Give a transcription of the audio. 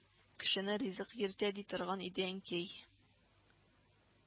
Кешене ризык йөртә, ди торган иде әнкәй